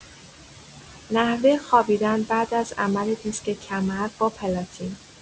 نحوه خوابیدن بعد از عمل دیسک کمر با پلاتین